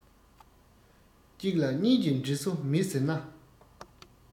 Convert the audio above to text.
གཅིག ལ གཉིས ཀྱི འབྲེལ སོ མེད ཟེར ན